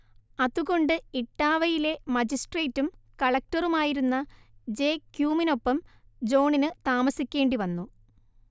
അതുകൊണ്ട് ഇട്ടാവയിലെ മജിസ്ട്രേറ്റും കളക്റ്ററുമായിരുന്ന ജെ ക്യുമിനൊപ്പം ജോണിന് താമസിക്കേണ്ടി വന്നു